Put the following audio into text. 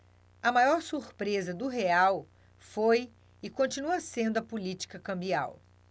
a maior surpresa do real foi e continua sendo a política cambial